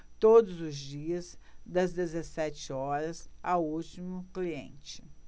todos os dias das dezessete horas ao último cliente